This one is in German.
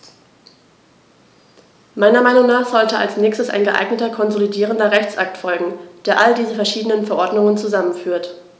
Meiner Meinung nach sollte als nächstes ein geeigneter konsolidierender Rechtsakt folgen, der all diese verschiedenen Verordnungen zusammenführt.